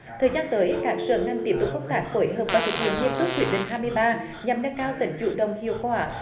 thời gian tới các sở ngành tiếp tục công tác phối hợp và thực hiện nghiêm túc quyết định hai mươi ba nhằm nâng cao tính chủ động hiệu quả